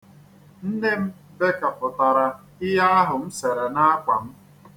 Nne m bekapụtara ihe ahụ m sere n'akwa m.